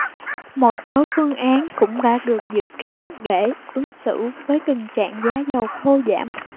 một số phương án cũng đã được dự kiến để ứng xử với tình trạng giá dầu thô giảm